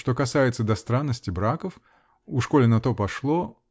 что касается до странности браков. уж коли на то пошло.